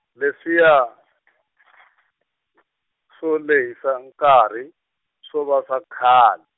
leswiya , swo lehisa nkarhi, swo va swa khal-.